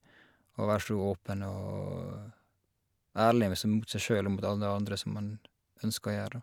Å være så åpen og ærlig, med som mot seg sjøl og mot alle andre som man ønsker å gjøre, da.